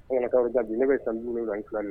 Aw kkawaw jaabi ne bɛ san la fila